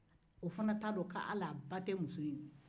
o fana t'a dɔn ko hali a ba tɛ muso in ye